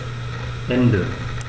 Ende.